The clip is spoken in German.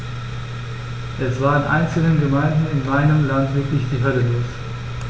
Es war in einzelnen Gemeinden in meinem Land wirklich die Hölle los.